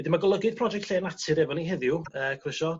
Wedyn ma' golygydd project lle natur efo ni heddiw yy croeso...